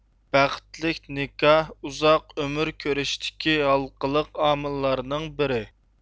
بەختلىك نىكاھ ئۇزاق ئۆمۈر كۆرۈشتىكى ھالقىلىق ئامىللارنىڭ بىرى